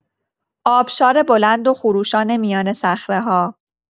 آبشار بلند و خروشان میان صخره‌ها